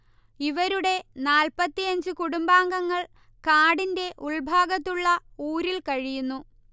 ഇവരുടെ നാൽപ്പത്തിയഞ്ച് കുടുംബാഗങ്ങൾ കാടിന്റെ ഉൾഭാഗത്തുള്ള ഊരിൽ കഴിയുന്നു